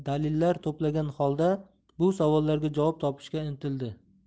to'plagan holda bu savollarga javob topishga intildi